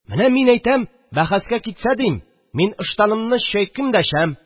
Менә, мин әйтәм, бәхәскә китсә, дим, мин ыштанымны чайкыйм да эчәм